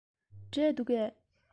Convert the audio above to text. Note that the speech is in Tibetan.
འབྲས འདུག གས